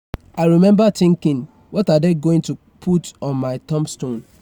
I remember thinking, what are they going to put on my tombstone?